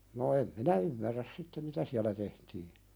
no en minä ymmärrä sitten mitä siellä tehtiin